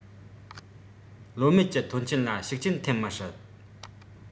ལོ སྨད ཀྱི ཐོན སྐྱེད ལ ཤུགས རྐྱེན ཐེབས མི སྲིད